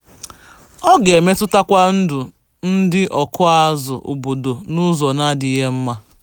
Ọ ga-emetụtakwa ndụ ndị ọkụazụ obodo n'ụzọ n'adịghị mma.